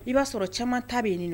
I b'a sɔrɔ caman ta bɛ yen nin